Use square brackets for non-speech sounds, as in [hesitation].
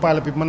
[hesitation] [hesitation]